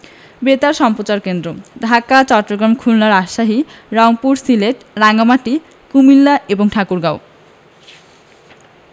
বেতার সম্প্রচার কেন্দ্রঃ ঢাকা চট্টগ্রাম খুলনা রাজশাহী রংপুর সিলেট রাঙ্গামাটি কুমিল্লা এবং ঠাকুরগাঁও